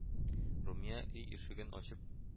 Румия өй ишеген ачып